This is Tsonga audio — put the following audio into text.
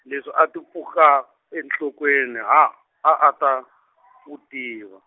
leswi a ti pfuka, enhlokweni ha, a a ta, wu tiva.